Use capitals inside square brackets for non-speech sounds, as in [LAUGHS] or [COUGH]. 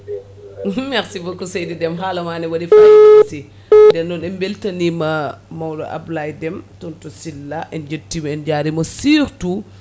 [LAUGHS] merci beaucoup seydi Déme haalama ne waɗi fayida [NOISE] aussi nden noon en beltanima mawɗo Ablaye Déme toon to Sylla en jettimo en jarimo surtout